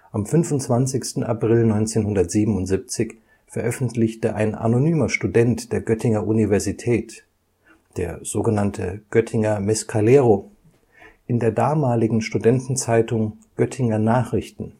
Am 25. April 1977 veröffentlichte ein anonymer Student der Göttinger Universität, der so genannte Göttinger Mescalero, in der damaligen Studentenzeitung Göttinger Nachrichten